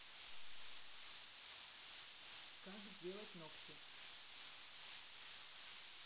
как сделать ногти